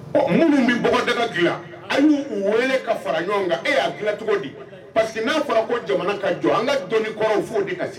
Ɔ minnu bɛ bɔgɔdaga dilan a y'u wele ka fara ɲɔgɔn kan, e y'a dilan cogo di? parce que n'a fɔra ko jamana ka jɔ, an ka dɔni kɔrɔw fɔ de ka segin.